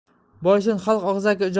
boysun xalq og'zaki